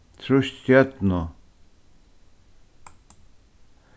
trýst stjørnu